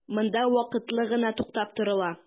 Монда вакытлы гына туктап торыла.